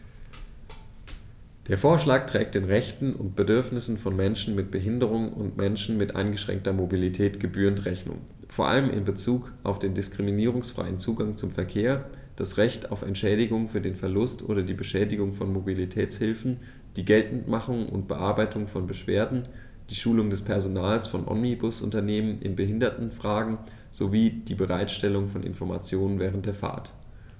Der Vorschlag trägt den Rechten und Bedürfnissen von Menschen mit Behinderung und Menschen mit eingeschränkter Mobilität gebührend Rechnung, vor allem in Bezug auf den diskriminierungsfreien Zugang zum Verkehr, das Recht auf Entschädigung für den Verlust oder die Beschädigung von Mobilitätshilfen, die Geltendmachung und Bearbeitung von Beschwerden, die Schulung des Personals von Omnibusunternehmen in Behindertenfragen sowie die Bereitstellung von Informationen während der Fahrt.